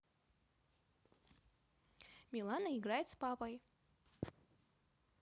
милана играет с папой